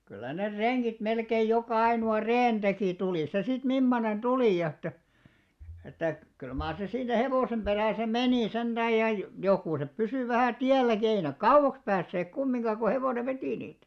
kyllä ne rengit melkein joka ainoa reen teki tuli se sitten mimmoinen tuli ja että että kyllä mar se siinä hevosen perässä meni sentään ja jokuset pysyi vähän tielläkin ei ne kauaksi päässeet kumminkaan kun hevonen veti niitä